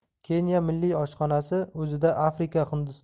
keniya milliy oshxonasi o'zida afrika hindiston